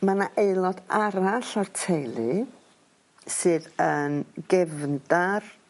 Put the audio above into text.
Ma' 'na aelod arall o'r teulu sydd yn gefndar...